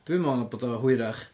dwi'n meddwl bod o hwyrach.